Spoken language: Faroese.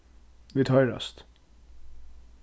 vit hoyrast